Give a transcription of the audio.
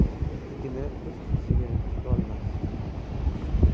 igna o'z teshigini tikolmas